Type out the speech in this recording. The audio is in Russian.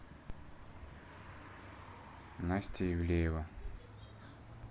настя ивлеева